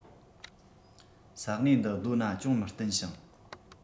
ས གནས འདི རྡོ ན ཅུང མི བརྟན ཞིང